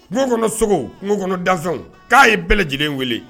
Kungo kɔnɔ sogo kungo kɔnɔd k'a ye bɛɛ lajɛlen wele